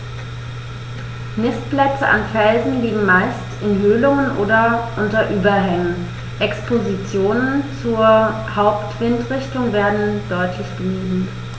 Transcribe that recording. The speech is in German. Nistplätze an Felsen liegen meist in Höhlungen oder unter Überhängen, Expositionen zur Hauptwindrichtung werden deutlich gemieden.